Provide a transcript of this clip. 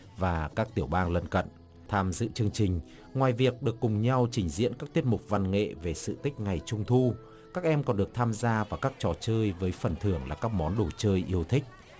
và các tiểu bang lân cận tham dự chương trình ngoài việc được cùng nhau trình diễn các tiết mục văn nghệ về sự tích ngày trung thu các em còn được tham gia vào các trò chơi với phần thưởng là các món đồ chơi yêu thích